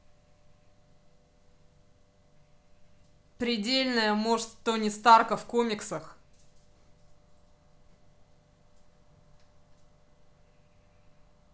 предельная можт тони старка в комиксах